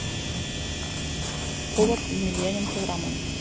повар емельяненко рамен